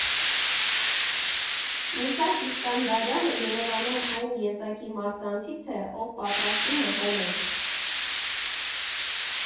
Միսակ Իսկանդարյանը Երևանում այն եզակի մարդկանցից է, ով պատրաստում է հոլեր։